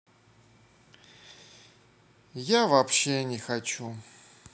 я вообще не хочу